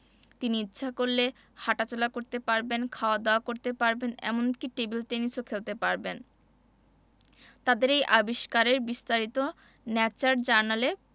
তিনি ইচ্ছা করলে হাটাচলা করতে পারবেন খাওয়া দাওয়া করতে পারবেন এমনকি টেবিল টেনিসও খেলতে পারবেন তাদের এই আবিষ্কারের বিস্তারিত ন্যাচার জার্নালে